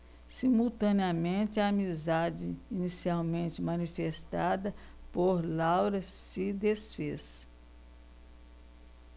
simultaneamente a amizade inicialmente manifestada por laura se disfez